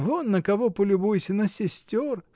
Вон на кого полюбуйся — на сестер!